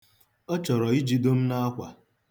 Ọ chọrọ ijido m n'akwa.